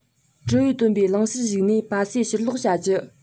འགྲུལ པས བཏོན པའི བླང བྱར གཞིགས ནས པ སེ ཕྱིར སློག བྱ རྒྱུ